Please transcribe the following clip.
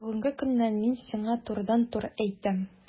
Бүгенге көннән мин сиңа турыдан-туры әйтәм: